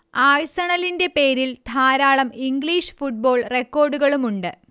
ആഴ്സണലിന്റെ പേരിൽ ധാരാളം English football റെക്കോർഡുകളുമുണ്ട്